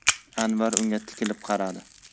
anvar unga tikilib qaradi